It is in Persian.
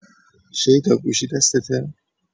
شیدا گوشی دستته؟